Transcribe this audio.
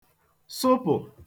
sụpụ̀